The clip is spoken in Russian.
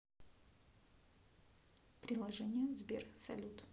приложение сбер салют